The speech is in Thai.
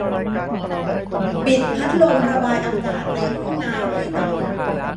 ปิดพัดลมระบายอากาศในห้องน้ำให้หน่อย